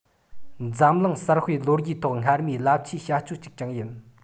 འཛམ གླིང གསར སྤེལ ལོ རྒྱུས ཐོག སྔར མེད རླབས ཆེའི བྱ སྤྱོད ཅིག ཀྱང ཡིན